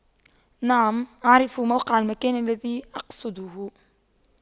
نعم أعرف موقع المكان الذي أقصده